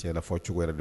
Fɔw cogo yɛrɛ don